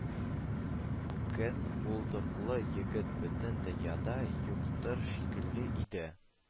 Кен, булдыклы егет бөтен дөньяда юктыр шикелле иде